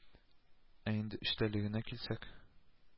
Ә инде эчтәлегенә килсәк